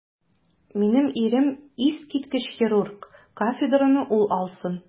Минем ирем - искиткеч хирург, кафедраны ул алсын.